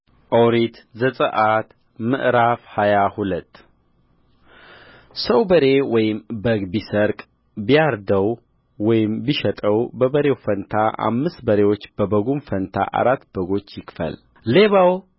ኦሪት ዘጽአት ምዕራፍ ሃያ ሁለት ሰው በሬ ወይም በግ ቢሰርቅ ቢያርደው ወይም ቢሸጠው በበሬው ፋንታ አምስት በሬዎች በበጉም ፋንታ አራት በጎች ይክፈል ሌባው